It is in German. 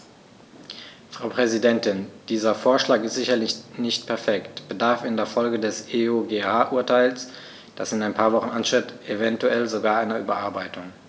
Frau Präsidentin, dieser Vorschlag ist sicherlich nicht perfekt und bedarf in Folge des EuGH-Urteils, das in ein paar Wochen ansteht, eventuell sogar einer Überarbeitung.